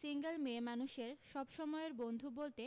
single মেয়েমানুষের সব সময়ের বন্ধু বলতে